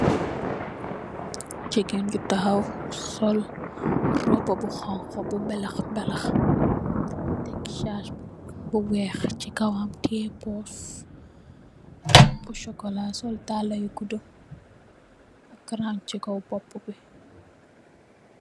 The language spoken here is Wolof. Jigéen ju tahaw sol robba bu honku bu mèlah-mèlah tèg sah bu weeh chi kawam tè pus bu sokola sol daal la yu bulo, kanan chi kaw boppu bi.